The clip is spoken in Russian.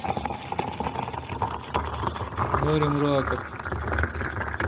варим раков